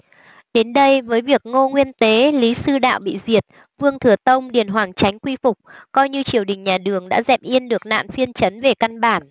đến đây với việc ngô nguyên tế lý sư đạo bị diệt vương thừa tông điền hoằng chánh quy phục coi như triều đình nhà đường đã dẹp yên được nạn phiên trấn về căn bản